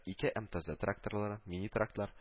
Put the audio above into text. Ике мтз тракторлары, мини-трактор